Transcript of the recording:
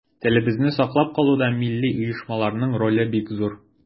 Телебезне саклап калуда милли оешмаларның роле бик зур.